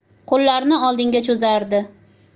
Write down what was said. qo'llarini oldinga cho'zardi